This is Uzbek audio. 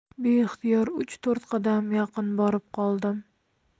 beixtiyor uch to'rt qadam yaqin borib qoldim